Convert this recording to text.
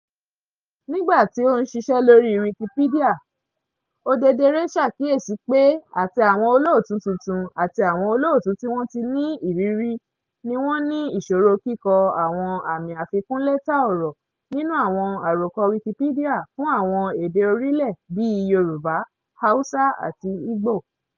Nígbà tí ó ń ṣiṣẹ́ lórí Wikipedia, Odedere ṣàkíyèsí pé àti àwọn olóòtú tuntun àti àwọn olóòtú tí wọ́n tí ní ìrírí ni wọ́n ní ìṣòro kíkọ́ àwọn àmì àfikún lẹ́tà ọ̀rọ̀ nínú àwọn àròkọ Wikipedia fún àwọn èdè orílẹ̀ bíi Yorùbá, Hausa àti Igbo.